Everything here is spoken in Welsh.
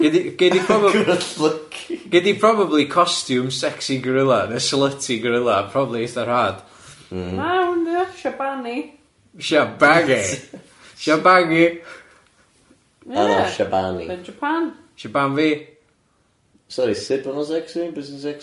Gei di gei di probably... Good lucky ... gei di probably costume sexy gorilla neu slutty gorilla probably eitha rhad. Ia shabani. Shabangy shabangy. Ia shabaani. Yn Japan shaban fi. Sori sut bo' nhw'n sexy be' sy'n sexy?